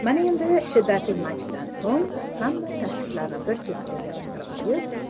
mana endi shiddatli matchdan so'ng hamma tashvishlarni bir chekkaga yig'ishtirib qo'yib